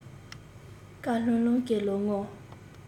དཀར ལྷང ལྷང གི ལོ ངོ